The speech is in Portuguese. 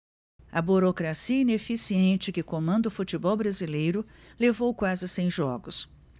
a burocracia ineficiente que comanda o futebol brasileiro levou quase cem jogos